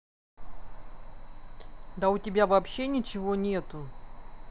да у тебя вообще ничего нету